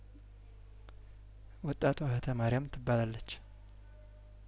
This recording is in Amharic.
ወጣቷ እህተማርያም ትባላለች